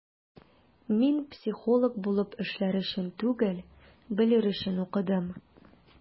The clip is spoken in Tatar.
Мин психолог булып эшләр өчен түгел, белер өчен укыдым.